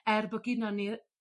er bo' ginon ni y